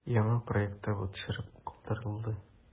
Яңа проектта бу төшереп калдырылды.